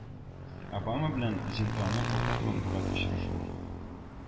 Обама белән Дзинтаоның уртак матбугат очрашуы